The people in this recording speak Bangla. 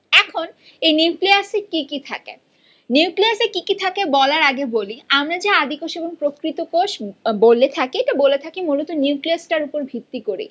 এখন এই নিউক্লিয়াসে কি কি থাকে নিউক্লিয়াসে কি কি থাকে বলার আগে বলি আমরা যে আদি কোষ এবং প্রকৃত কোষ বলে থাকি মূলত নিউক্লিয়াস টার উপর ভিত্তি করেই